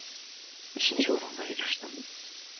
Өченче урынга ирештем.